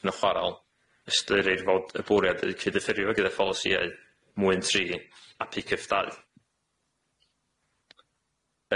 yn y chwaral ystyrir fod y bwriad y cydyffurio gyda pholisïau mwyn tri a picyff dau.